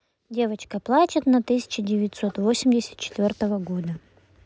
девочка плачет на тысяча девятьсот восемьдесят четвертого года